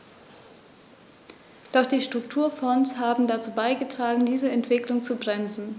Doch die Strukturfonds haben dazu beigetragen, diese Entwicklung zu bremsen.